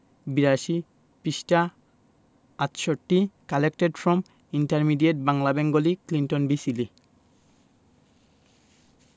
৮২ পৃষ্ঠাঃ ৬৮ collected from intermediate Bangla Bengali Clinton B Seely